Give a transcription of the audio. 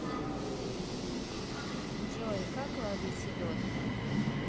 джой как ладить селедку